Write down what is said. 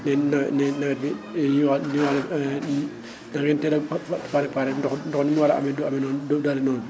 ne na ne nawet bi di ma wax na ngeen teel pa préparé ndox ndox ni mu war a amee du amee noonu doole noonu